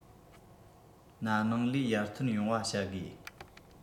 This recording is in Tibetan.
ན ནིང ལས ཡར ཐོན ཡོང བ བྱ དགོས